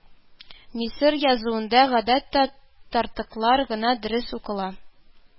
Мисыр язуында, гадәттә, тартыклар гына дөрес укыла